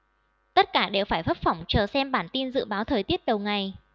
tất cả đều phải phấp phỏng chờ xem bản tin dự báo thời tiết đầu ngày